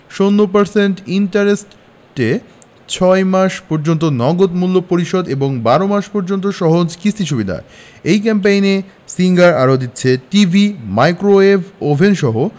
০% ইন্টারেস্টে ৬ মাস পর্যন্ত নগদ মূল্য পরিশোধ এবং ১২ মাস পর্যন্ত সহজ কিস্তি সুবিধা এই ক্যাম্পেইনে সিঙ্গার আরো দিচ্ছে টিভি মাইক্রোওয়েভ ওভেনসহ